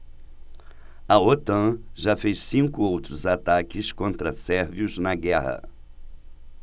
a otan já fez cinco outros ataques contra sérvios na guerra